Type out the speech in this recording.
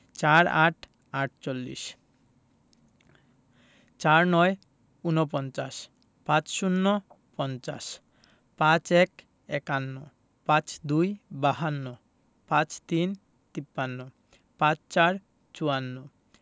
৪৮ -আটচল্লিশ ৪৯ – উনপঞ্চাশ ৫০ - পঞ্চাশ ৫১ – একান্ন ৫২ - বাহান্ন ৫৩ - তিপ্পান্ন ৫৪ - চুয়ান্ন